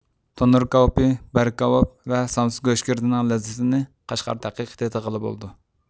تونۇر كاۋىپى بەرگ كاۋاپ ۋە سامسا گۆشگىردىنىڭ لەززىتىنى قەشقەردە ھەقىقىي تېتىغىلى بولىدۇ